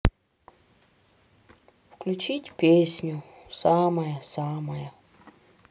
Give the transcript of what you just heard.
включить песню самая самая